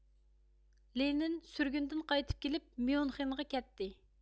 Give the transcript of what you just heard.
لېنىن سۈرگۈندىن قايتىپ كېلىپ ميۇنخېنغا كەتتى